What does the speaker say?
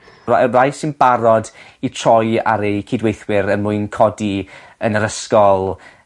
Ry- y rai sy'n barod i troi ar eu cydweithwyr er mwyn codi yn yr ysgol